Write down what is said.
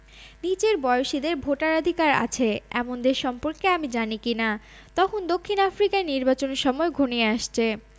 নিচের বয়সীদের ভোটাধিকার আছে এমন দেশ সম্পর্কে আমি জানি কি না তখন দক্ষিণ আফ্রিকায় নির্বাচনের সময় ঘনিয়ে আসছে